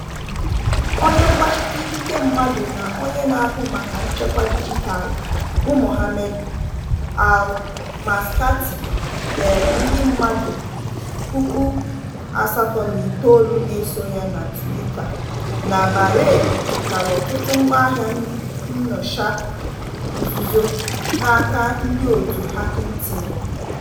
Onye mgbachite ikike mmadụ na onye na-ahụ maka nchekwa dijitaalụ bụ Mohammed Al-Maskati deere ndị mmadụ 89K na-eso ya na Twitter na Bahrain zụtara ọtụtụ ngwaahịa nnyocha nzuzo n'aka ndịotu Hacking Team.